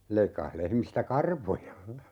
leikkasi lehmistä karvoja